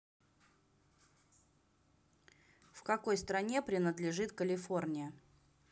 в какой стране принадлежит калифорния